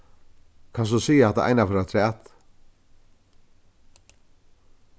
kanst tú siga hatta eina ferð afturat